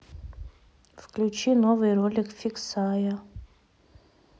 включи новый ролик фиксая